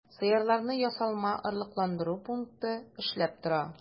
Сыерларны ясалма орлыкландыру пункты эшләп тора.